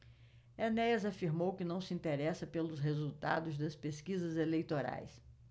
enéas afirmou que não se interessa pelos resultados das pesquisas eleitorais